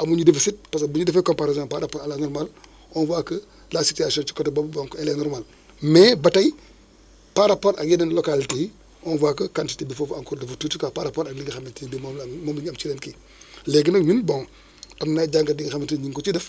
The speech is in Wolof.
amuñu deficit parce que bu ñu defee comparaison par rapport à la normale on voit que la situation ci côté boobu donc elle est normale mais ba tey par rapport ak yeneen localités yi on voit que quantité bi foofu encore dafa tuuti quoi par rapport ak li nga xamante ne bi moom la am moom la ñu am ci * kii léegi nag énun bon am na ay jàngat yi nga xamante ne ñu ngi ko ciy def